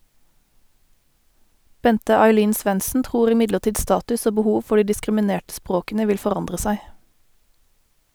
Bente Ailin Svendsen tror imidlertid status og behov for de diskriminerte språkene vil forandre seg.